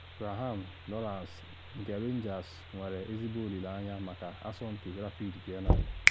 Graham Dorrans nke Rangers nwere ezigbo olile anya maka asọmpi Rapid Vienna